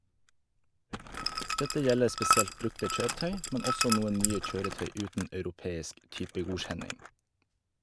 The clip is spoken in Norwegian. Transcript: Dette gjelder spesielt brukte kjøretøy, men også noen nye kjøretøy uten europeisk typegodkjenning.